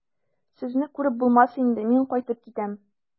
Сезне күреп булмас инде, мин кайтып китәм.